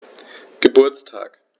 Geburtstag